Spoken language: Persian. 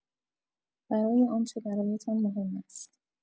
برای آنچه برایتان مهم است.